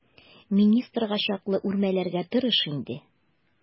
Министрга чаклы үрмәләргә тырыш инде.